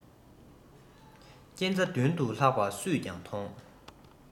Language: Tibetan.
རྐྱེན རྩ མདུན དུ ལྷག པ སུས ཀྱང མཐོང